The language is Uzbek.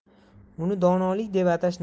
uni donolik deb